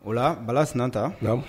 O la Bala sinanta